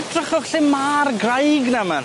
Edrychwch lle ma'r graig 'na myn!